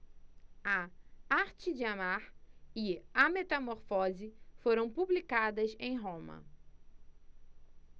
a arte de amar e a metamorfose foram publicadas em roma